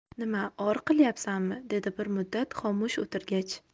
nima or qilyapsanmi dedi bir muddat xomush o'tirgach